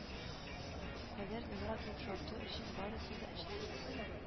Кадәр ныграк йомшарту өчен барысын да эшли